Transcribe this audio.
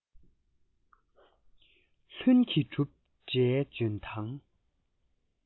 ལྷུན གྱིས གྲུབ འདྲའི འཇོན ཐང